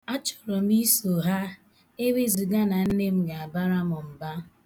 A chọrọ m iso ha ewezuga na nne m ga-abara m mba.